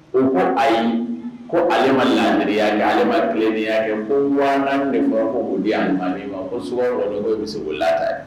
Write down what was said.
O ko ayi ko ale ma laaya ye ale ma tilenya kɛ ko wara de fɔ ko diyara ma ko sumaworo ko bɛ se la